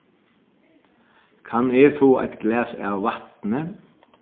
kann eg fáa eitt glas av vatni